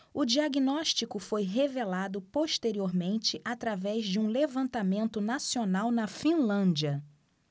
o diagnóstico foi revelado posteriormente através de um levantamento nacional na finlândia